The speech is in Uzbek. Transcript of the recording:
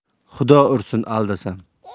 xudo ursin aldasam